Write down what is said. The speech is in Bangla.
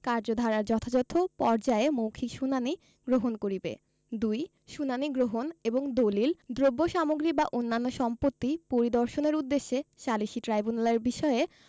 কার্যধারার যথাযথ পর্যায়ে মৌখিক শুনানী গ্রহণ করিবে ২ শুনানী গ্রহণ এবং দলিল দ্রব্যসামগ্রী বা অন্যান্য সম্পত্তি পরিদর্শনের উদ্দেশ্যে সালিসী ট্রাইব্যুনালের বিষয়ে